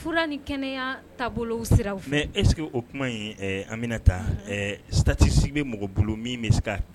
F ni kɛnɛyaya taabolo siraw fɛ mɛ es o kuma in an bɛna taa satisi bɛ mɔgɔ bolo min bɛ se